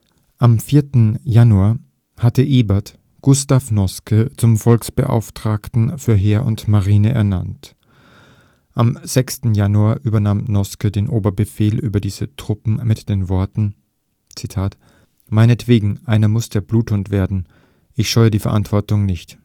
Am 4. Januar hatte Ebert Gustav Noske zum Volksbeauftragten für Heer und Marine ernannt. Am 6. Januar übernahm Noske den Oberbefehl über diese Truppen mit den Worten: „ Meinetwegen, einer muss der Bluthund werden. Ich scheue die Verantwortung nicht